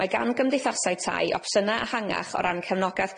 Mae gan gymdeithasau tai opshynna' ehangach o ran cefnogaeth